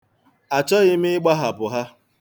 Achọghi m ịgbahapụ ha.